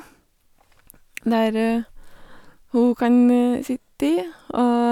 Der hun kan sitte i, og...